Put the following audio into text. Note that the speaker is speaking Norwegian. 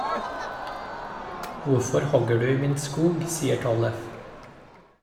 "Hvorfor hogger du i min skog?" sier Tollef.